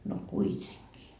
no kuitenkin